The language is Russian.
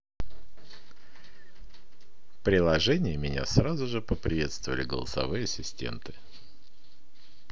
приложение меня сразу же поприветствовали голосовые ассистенты